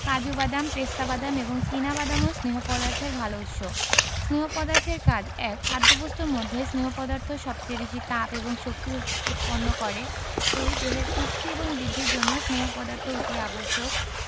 কাজু বাদাম পেস্তা বাদাম এবং চিনা বাদামও স্নেহ পদার্থের ভালো উৎস স্নেহ পদার্থের কাজ ১. খাদ্যবস্তুর মধ্যে স্নেহ পদার্থ সবচেয়ে বেশী তাপ এবং শক্তি উৎপন্ন করে ২. দেহের পুষ্টি এবং বৃদ্ধির জন্য স্নেহ পদার্থ অতি আবশ্যক